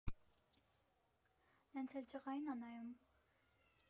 Նենց էլ ջղայն ա նայում…